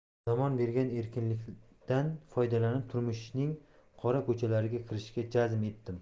zamon bergan erkinlikdan foydalanib turmushimizning qora ko'chalariga kirishga jazm etdim